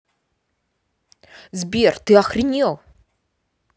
сбер ты охренел